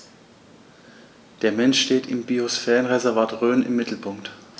Der Mensch steht im Biosphärenreservat Rhön im Mittelpunkt.